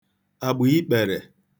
àgbàikpèrè